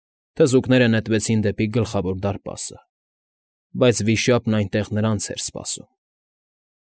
Թզուկները նետվեցին դեպի Գլխավոր դարպասը, բայց Վիշապն այնտեղ նրանց էր սպասում։